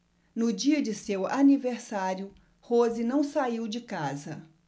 no dia de seu aniversário rose não saiu de casa